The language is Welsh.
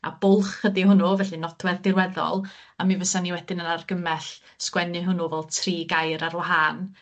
A bwlch ydi hwnnw, felly nodwedd dirweddol a mi fysa ni wedyn yn argymell sgwennu hwnnw fel tri gair ar wahân